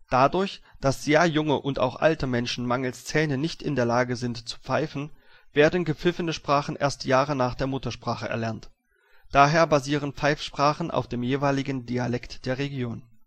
Dadurch, dass sehr junge (und auch alte) Menschen mangels Zähnen nicht in der Lage sind zu pfeifen, werden gepfiffene Sprachen erst Jahre nach der Muttersprache erlernt. Daher basieren Pfeifsprachen auf dem jeweiligen Dialekt der Region